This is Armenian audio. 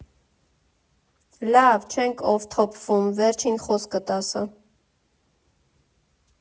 Լավ, չենք օֆթոփվում, վերջին խոսքդ ասա։